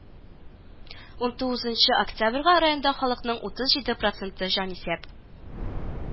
Унтугызынчы октябрьгә районда халыкның утыз җиде проценты җанисәп